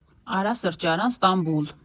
«Արա» սրճարան, Ստամբուլ։